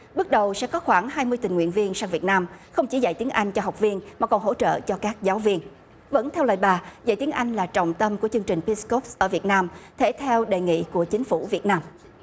bước đầu sẽ có khoảng hai mươi tình nguyện viên sang việt nam không chỉ dạy tiếng anh cho học viên mà còn hỗ trợ cho các giáo viên vẫn theo lời bà dạy tiếng anh là trọng tâm của chương trình bi cốp ở việt nam thể theo đề nghị của chính phủ việt nam